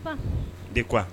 Paa di quoi